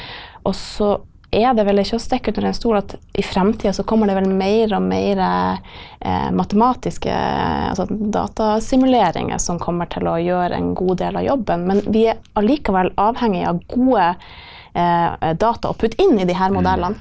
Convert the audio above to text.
og så er det vel ikke å stikke under en stol at i fremtida så kommer det vel mer og mer matematiske altså datasimuleringer som kommer til å gjøre en god del av jobben, men vi er allikevel avhengig av gode data å putte inn i de her modellene.